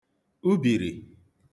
ubìrì